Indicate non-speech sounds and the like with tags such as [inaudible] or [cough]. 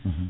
[hesitation] [hesitation]